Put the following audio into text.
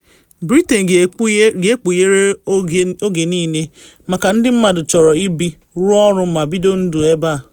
Britain ga-ekpughere oge niile maka ndị mmadụ chọrọ ibi, rụọ ọrụ ma bido ndụ ebe a.